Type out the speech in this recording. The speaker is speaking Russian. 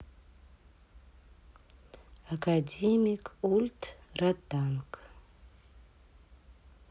академик ультратанк